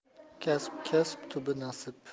kasb kasb tubi nasib